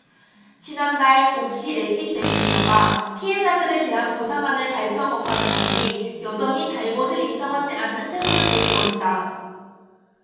지난달 옥시레킷벤키저가 피해자들에 대한 보상안을 발표한 것과는 달리 여전히 잘못을 인정하지 않는 태도를 보인 것이다